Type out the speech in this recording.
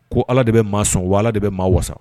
Ko ala de bɛ maa sɔn waa de bɛ maa wa